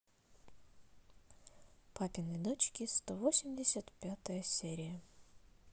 папины дочки сто восемьдесят пятая серия